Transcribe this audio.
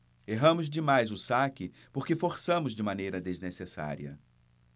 erramos demais o saque porque forçamos de maneira desnecessária